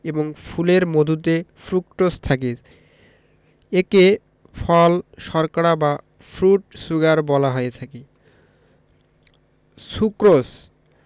এবং ফুলের মধুতে ফ্রুকটোজ থাকে একে ফল শর্করা বা ফ্রুট শুগার বলা হয়ে থাকে সুক্রোজ